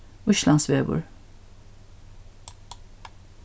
íslandsvegur